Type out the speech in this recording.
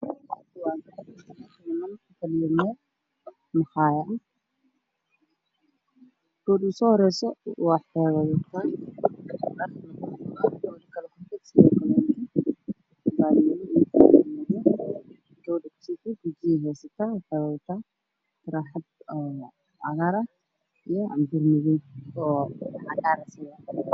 Waa meel maqaayad ah gabadha u soo horeyso waxay wadataa dhar madow ah gabadha kale kuxegta sidoo kale cabaayad madow, gabadha kalana waxay heystaa mindi, waxay wadataa taraaxad cagaar ah iyo cambor cagaar ah.